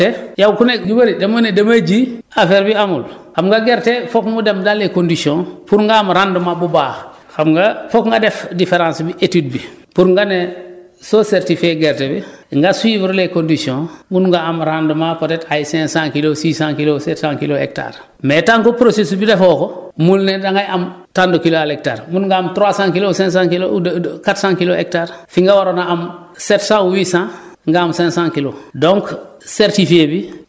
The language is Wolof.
bon xam nga gerte yow ku ne lu bëri dama ne damay ji affaire bi amul xam nga gerte foog mu dem dans les conditions pour nga am rendement bu baax xam nga foog nga def différence bi étude bi pour nga ne soo certifié gerte bi nga suivre les conditions mën nga am rendement peut être ay 500 kilos 600 kilos hectare mais tant que processus bi defoo ko mën ne da ngay am tant de kilos à l' hectare mën ngaa am 300 kilos 500 kilos ou 400 kilos hectare fi nga waroon a am 700 800 nga am 500 kilos donc certifié bi